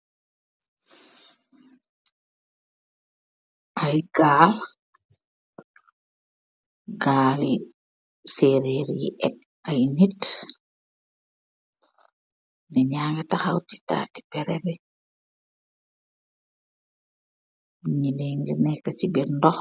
Ayy Gääl, Gääli sererr yii ebb ayy nitt ,Ñyyin yangi takhaw si tâtti perêkh, bi Nyeh’nèn yii neka si birr ndôkh.